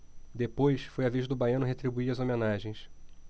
depois foi a vez do baiano retribuir as homenagens